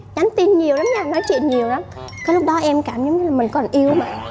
nhắn tin nhiều lắm nha nói chuyện nhiều lắm cái lúc đó em cảm giống như mình còn yêu mà